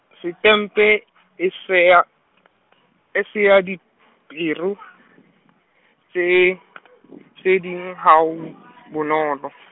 Setempe e seha , e se ya dipero- tse , tse ding ha o, bonolo.